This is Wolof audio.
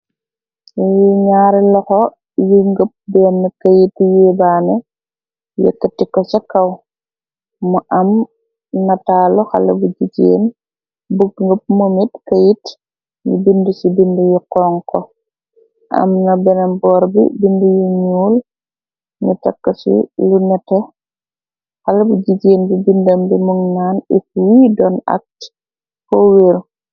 Lee ñaari laxo yu ngëp benn këyiti yi baane yëkkti ko ca kaw. Mu am nataalu xala bu jijeen bu ngëp mo mit keyit yi bind ci bind yu xon ko. Am na benam boor bi bind yu ñuul ni takk ci lu nete. Xala bu jijeen bi bindam bi munnaanif wiy doon akt ko wir.